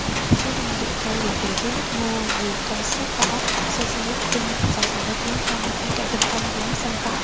phía nam dự châu liền kề với nước ngô quỳ tra xét rõ sửa sang giáp binh sẵn sàng cho chiến tranh khiến kẻ địch không dám xâm phạm